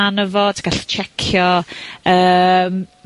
ano fo, ti gallu tsiecio yym